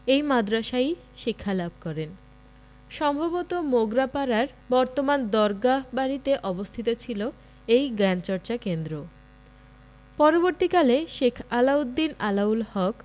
এই মাদ্রাসায়ই শিক্ষালাভ করেন সম্ভবত মোগরাপাড়ার বর্তমান দরগাহ বাড়িতে অবস্থিত ছিল এই জ্ঞানচর্চা কেন্দ্র পরবর্তীকালে শেখ আলাউদ্দিন আলাউল হক